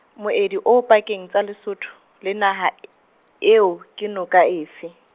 moedi o pakeng tsa Lesotho, le naha e, eo, ke noka efe?